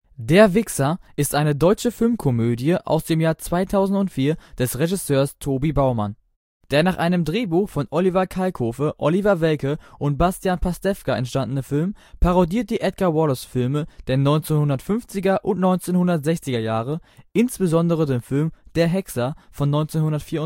Der Wixxer ist eine deutsche Filmkomödie aus dem Jahr 2004 des Regisseurs Tobi Baumann. Der nach einem Drehbuch von Oliver Kalkofe, Oliver Welke und Bastian Pastewka entstandene Film parodiert die Edgar-Wallace-Filme der 1950er und 1960er Jahre, insbesondere den Film Der Hexer von 1964